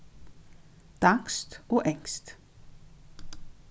danskt og enskt